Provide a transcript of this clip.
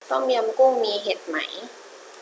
ต้มยำกุ้งมีเห็ดไหม